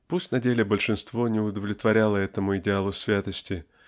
Пусть на деле большинство не удовлетворяло этому идеалу святости